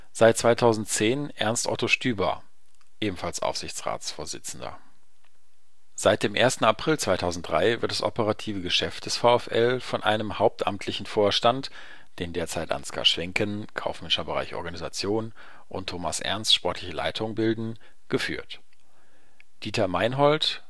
seit 2010 Ernst-Otto Stüber (Aufsichtsratsvorsitzender) Seit dem 1. April 2003 wird das operative Geschäft des VfL von einem hauptamtlichen Vorstand, den derzeit Ansgar Schwenken (kaufmännischer Bereich, Organisation) und Thomas Ernst (sportliche Leitung) bilden, geführt. Dieter Meinhold